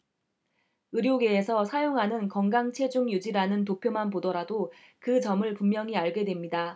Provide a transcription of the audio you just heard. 의료계에서 사용하는 건강 체중 유지라는 도표만 보더라도 그 점을 분명히 알게 됩니다